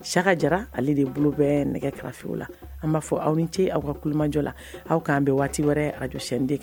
Saka jara ale de bolo bɛ nɛgɛ kɛrafinw la an b'a fɔ aw ni ce aw ka kumajɔ la aw k'an bɛn waati wɛrɛ radion chaine kan.